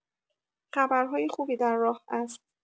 خبرهای خوبی در راه است.